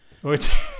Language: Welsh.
Wyt?